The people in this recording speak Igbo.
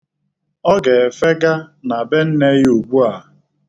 Ọ ga-efega na be nne ya ugbua.